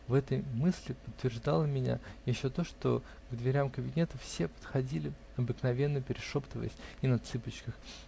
в этой мысли подтверждало меня еще то, что к дверям кабинета все подходили обыкновенно перешептываясь и на цыпочках